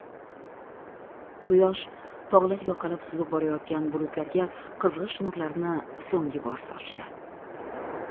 quyosh tog'lar yoqalab suzib borayotgan bulutlarga qizg'ish nurlarini so'nggi bor sochdi